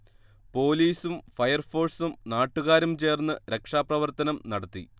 പോലീസും ഫയർഫോഴ്സും നാട്ടുകാരും ചേർന്ന് രക്ഷാപ്രവർത്തനം നടത്തി